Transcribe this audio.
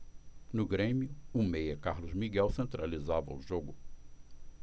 no grêmio o meia carlos miguel centralizava o jogo